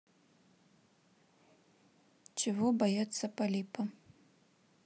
чего боятся полипы